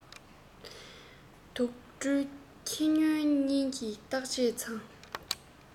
དུག སྦྲུལ ཁྱི སྨྱོན གཉིས ཀྱི བརྟག དཔྱད ཚང